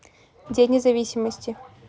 день независимости